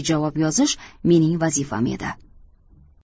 javob yozish mening vazifam edi